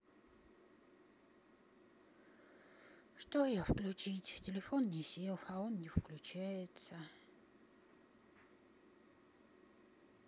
что я включить телефон не сел а он не включается